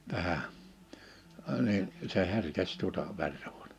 tänä - niin se herkesi tuota verta -